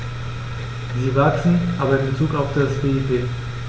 Sie wachsen, aber in bezug auf das BIP.